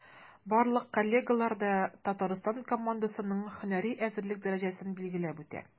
Барлык коллегалар да Татарстан командасының һөнәри әзерлек дәрәҗәсен билгеләп үтә.